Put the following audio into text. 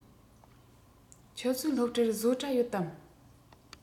ཁྱོད ཚོའི སློབ གྲྭར བཟོ གྲྭ ཡོད དམ